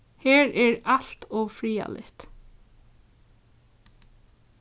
her er alt ov friðarligt